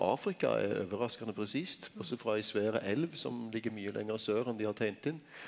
Afrika er overraskande presist også frå ein svær elv som ligg mykje lenger sør enn dei har teikna inn.